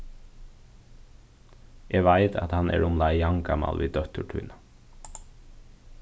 eg veit at hann er umleið javngamal við dóttir tína